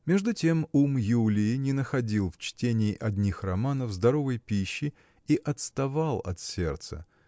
Между тем ум Юлии не находил в чтении одних романов здоровой пищи и отставал от сердца.